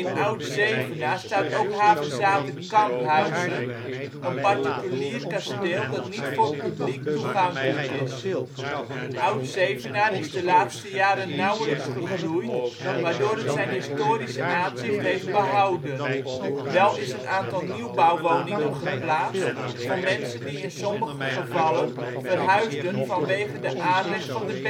Oud Zevenaar staat ook Havezate Camphuysen, een particulier kasteel dat niet voor publiek toegankelijk is. Oud Zevenaar is de laatste jaren nauwelijks gegroeid, waardoor het zijn historische aanzicht heeft behouden. Wel is een aantal nieuwbouwwoningen geplaatst voor mensen die in sommige gevallen verhuisden vanwege de aanleg van de